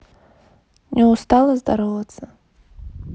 не устала здороваться